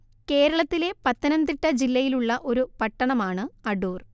കേരള ത്തിലെ പത്തനംതിട്ട ജില്ലയിലുള്ള ഒരു പട്ടണമാണ് അടൂർ